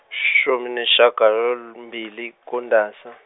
shumi nesishiyagalombili kuNdasa.